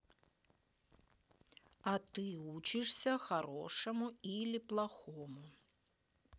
а ты учишься хорошему или плохому